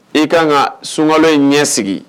I ka kan ka sungɔ in ɲɛ sigi